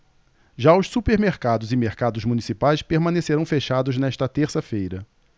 já os supermercados e mercados municipais permanecerão fechados nesta terça-feira